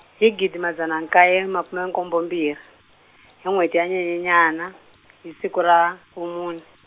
hi gidi madzana nkaye makume nkombo mbirhi, hi n'wheti ya Nyenyenyana, hi siku ra vumune.